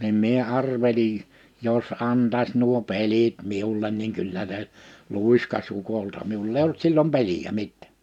niin minä arvelin jos antaisi nuo pelit minulle niin kyllä se luiskasi ukolta minulla ei ollut silloin pelejä mitään